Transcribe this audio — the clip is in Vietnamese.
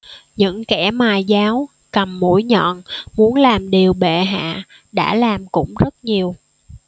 những kẻ mài giáo cầm mũi nhọn muốn làm điều bệ hạ đã làm cũng rất nhiều